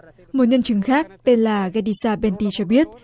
một nhân chứng khác tên là ghe đi sa pen ti cho biết